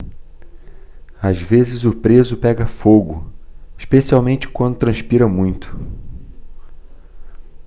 às vezes o preso pega fogo especialmente quando transpira muito